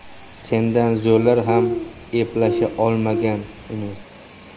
sendan zo'rlar ham eplasha olmagan uni